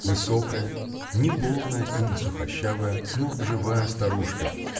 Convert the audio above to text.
Высокая, не полная и не сухощавая, но живая старушка.